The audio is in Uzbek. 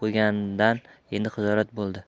umrini qisqa qilib qo'yganidan endi xijolat bo'ldi